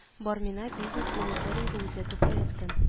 Бармина бизнес мониторингы үзәге проектын